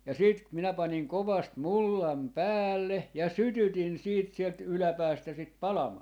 ja sitten minä panin kovasti mullan päälle ja sytytin sitten sieltä yläpäästä sitä palamaan